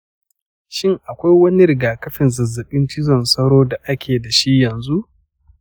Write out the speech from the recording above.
shin akwai wani rigakafin zazzabin cizon sauro da ake da shi yanzu?